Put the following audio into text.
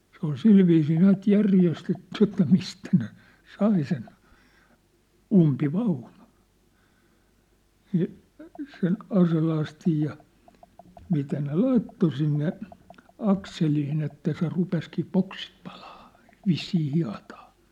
se oli sillä viisiin näet järjestetty että mistä ne sai sen umpivaunun niin sen aselastin ja mitä ne laitto sinne akseliin että se rupesikin poksit palaamaan vissiin hietaa